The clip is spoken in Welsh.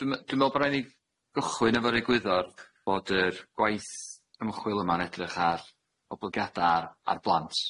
Dwi me- dwi me'wl bo' rai' ni gychwyn efo'r egwyddor bod yr gwaith ymchwil yma'n edrych ar oblygiada ar- ar blant